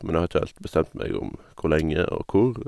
Men jeg har ikke heilt bestemt meg om hvor lenge og hvor.